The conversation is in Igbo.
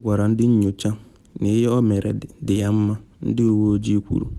Ọ gwara ndị nyocha na ihe ọ mere dị ya mma, ndị uwe ojii kwuru.